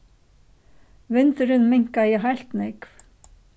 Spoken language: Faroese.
vindurin minkaði heilt nógv